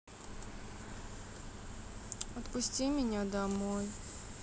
отпусти меня домой